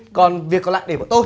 còn việc còn lại để bọn tôi